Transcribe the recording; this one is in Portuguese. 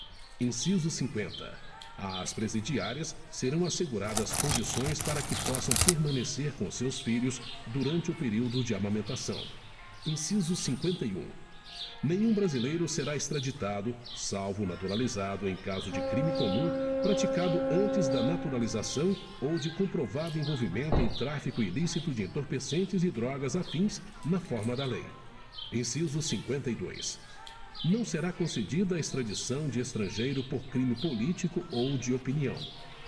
inciso cinqüenta às presidiárias serão asseguradas condições para que possam permanecer com seus filhos durante o período de amamentação inciso cinqüenta e um nenhum brasileiro será extraditado salvo o naturalizado em caso de crime comum praticado antes da naturalização ou de comprovado envolvimento em tráfico ilícito de entorpecentes e drogas afins na forma da lei inciso cinqüenta e dois não será concedida extradição de estrangeiro por crime político ou de opinião